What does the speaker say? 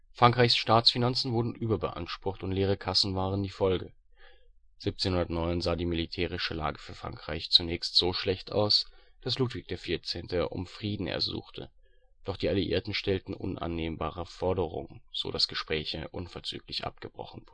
Frankreichs Staatsfinanzen wurden überbeansprucht und leere Kassen waren die Folge. 1709 sah die militärische Lage für Frankreich zunächst so schlecht aus, dass Ludwig XIV. um Frieden ersuchte, doch die Alliierten stellten unannehmbare Forderungen, so dass Gespräche unverzüglich abgebrochen